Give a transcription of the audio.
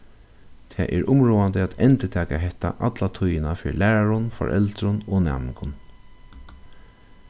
tað er umráðandi at endurtaka hetta alla tíðina fyri lærarum foreldrum og næmingum